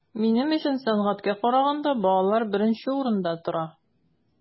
Минем өчен сәнгатькә караганда балалар беренче урында тора.